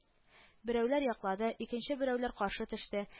Берәүләр яклады, икенче берәүләре каршы төште